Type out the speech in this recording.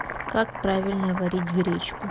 как правильно варить гречку